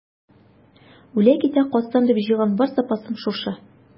Үлә-китә калсам дип җыйган бар запасым шушы.